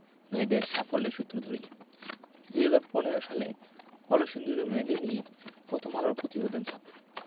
মেয়েদের সাফল্যের সূত্র ধরেই ২০১৫ সালে কলসিন্দুরের মেয়েদের নিয়ে প্রথম আলোর প্রতিবেদন ছাপে